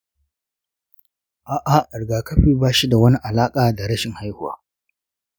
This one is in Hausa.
a'a, rigakafi ba shi da wani alaƙa da rashin haihuwa.